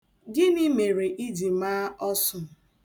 Gịnị mere iji maa ọsụ?